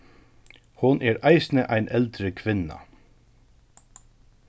hon er eisini ein eldri kvinna